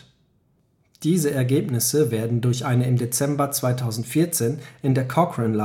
Diese Ergebnisse werden durch eine im Dezember 2014 in der Cochrane